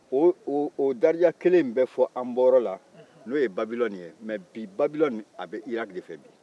o darija kelen nin bɛ fɔ an bɔyɔrɔ la n'o ye babilɔni ye nka bi babilɔni a bɛ iraki de fɛ bi